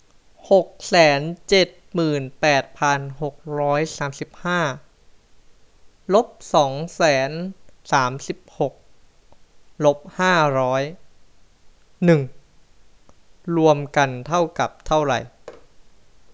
หกแสนเจ็ดหมื่นแปดพันหกร้อยสามสิบห้าลบสองแสนสามสิบหกลบห้าร้อยหนึ่งรวมกันเท่ากับเท่าไหร่